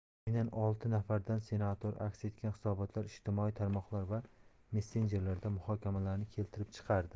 aynan olti nafardan senator aks etgan hisobotlar ijtimoiy tarmoqlar va messenjerlarda muhokamalarni keltirib chiqardi